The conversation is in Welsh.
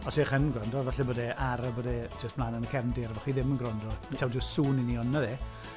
Os 'y chi yn gwrando, falle bod e ar a bod e jyst ymlaen yn y cefndir, a bo' chi ddim yn gwrando. Taw jyst sŵn 'y ni, ond 'na fe.